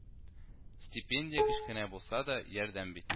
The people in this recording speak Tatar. Стипендия, кечкенә булса да, ярдәм бит